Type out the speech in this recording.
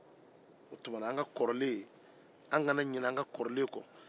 o tuma na an kana ɲinɛ an ka kɔrɔlen kɔ